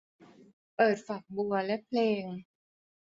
เปิดฝักบัวและเพลง